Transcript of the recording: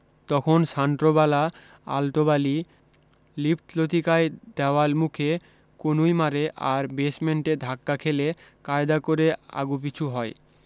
তখন সান্ট্রোবালা আলটোবালি লিফ্টলতিকায় দেওয়ালমুখে কনুই মারে আর বেসমেন্টে ধাক্কা খেলে কায়দা করে আগুপিছু হয়